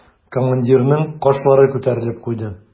Командирның кашлары күтәрелеп куйды.